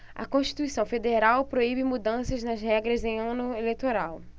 a constituição federal proíbe mudanças nas regras em ano eleitoral